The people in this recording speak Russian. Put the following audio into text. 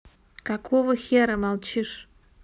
какого хера молчишь